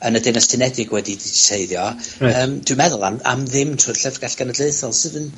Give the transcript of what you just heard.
yn y Deyrnast Unedig wedi digiteiddio... Reit. ...yym dwi'n meddwl am am ddim trwy'r Llyfrgell Genedlaethol, sydd yn...